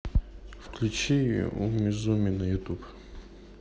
включи умизуми на ютуб